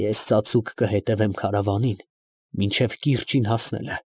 Ես ծածուկ կհետևեմ քարավանին, մինչև կիրճին հասնելը։